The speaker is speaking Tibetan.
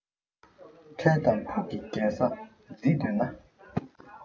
འཕྲལ དང ཕུགས ཀྱི རྒྱལ ས འཛིན འདོད ན